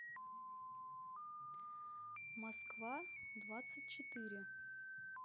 москва двадцать четыре